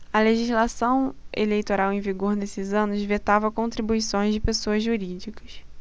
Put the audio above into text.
a legislação eleitoral em vigor nesses anos vetava contribuições de pessoas jurídicas